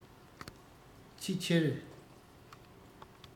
ཕྱི ཕྱིར